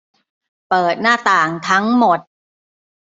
เปิดหน้าต่างทั้งหมด